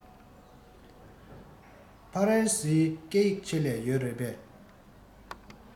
ཧྥ རན སིའི སྐད ཡིག ཆེད ལས ཡོད རེད པས